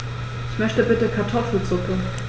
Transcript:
Ich möchte bitte Kartoffelsuppe.